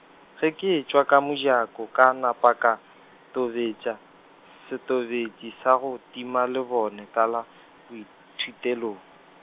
ge ke etšwa ka mojako ka napa ka, tobetša, setobetši sa go tima lebone ka la boithutelong.